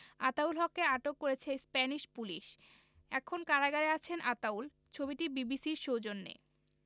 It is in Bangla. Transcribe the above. আতাউল হককে আটক করেছে স্প্যানিশ পুলিশ এখন কারাগারে আছেন আতাউল ছবিটি বিবিসির সৌজন্যে